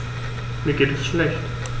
Mir geht es schlecht.